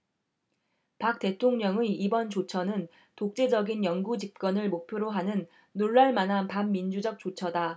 박 대통령의 이번 조처는 독재적인 영구집권을 목표로 하는 놀랄 만한 반민주적 조처다